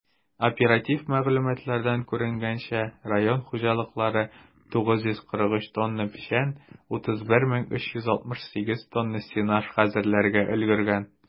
Оператив мәгълүматлардан күренгәнчә, район хуҗалыклары 943 тонна печән, 31368 тонна сенаж хәзерләргә өлгергән.